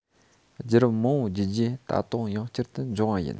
རྒྱུད རབས མང པོ བརྒྱུད རྗེས ད དུང ཡང བསྐྱར དུ འབྱུང བ ཡིན